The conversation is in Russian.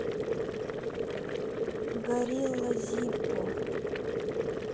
горилла зиппо